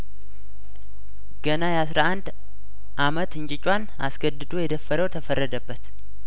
ገና ያስራ አንድ አመት እንጭጯን አስገድዶ የደፈረው ተፈረደበት